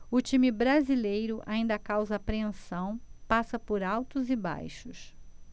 o time brasileiro ainda causa apreensão passa por altos e baixos